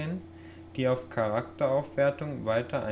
die auf Charakteraufwertung weiter